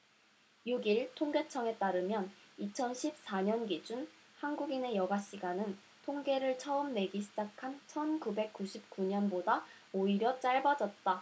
육 일 통계청에 따르면 이천 십 사 년 기준 한국인의 여가 시간은 통계를 처음 내기 시작한 천 구백 구십 구 년보다 오히려 짧아졌다